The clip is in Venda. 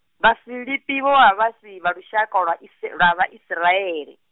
Vhafilipi vho vha vhasi vha lushaka lwa Isi- lwa Vhaisiraele.